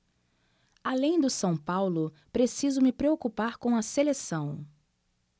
além do são paulo preciso me preocupar com a seleção